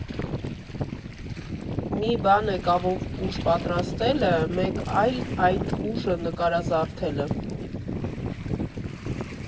Մի բան է կավով կուժ պատրաստելը, մեկ այլ՝ այդ կուժը նկարազարդելը։